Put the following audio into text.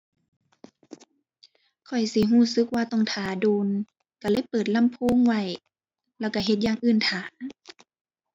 ข้อยสิรู้สึกว่าต้องท่าโดน รู้เลยเปิดลำโพงไว้ แล้วรู้เฮ็ดอย่างอื่นท่า